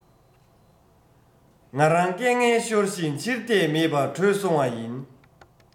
ང རང སྐད ངན ཤོར བཞིན ཕྱིར ལྟས མེད པར བྲོས སོང བ ཡིན